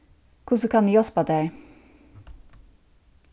hvussu kann eg hjálpa tær